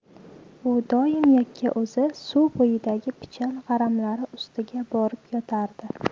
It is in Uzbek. u doim yakka o'zi suv bo'yidagi pichan g'aramlari ustiga borib yotardi